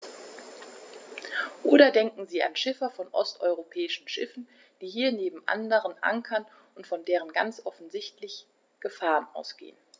Oder denken Sie an Schiffer von osteuropäischen Schiffen, die hier neben anderen ankern und von denen ganz offensichtlich Gefahren ausgehen.